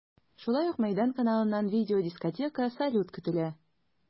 Шулай ук “Мәйдан” каналыннан видеодискотека, салют көтелә.